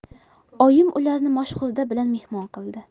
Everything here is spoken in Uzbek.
oyim ularni moshxo'rda bilan mehmon qildi